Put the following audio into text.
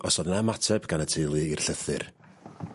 ...os o'dd 'na ymateb gan y teulu i'r llythyr.